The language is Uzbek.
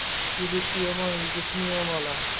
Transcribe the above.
yurishi yomon yigitni yov olar